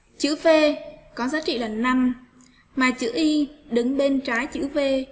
chữ v có giá trị lần mai chữ y đứng bên trái chữ v